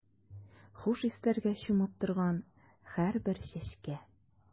Хуш исләргә чумып торган һәрбер чәчкә.